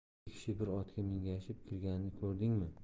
ikki kishi bir otga mingashib kirganini ko'rdingmi